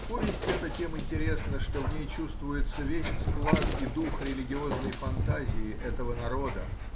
Повесть эта тем интересна, что в ней чувствуется весь склад и дух религиозной фантазии этого народа.